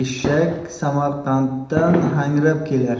eshak samarqanddan hangrab kelar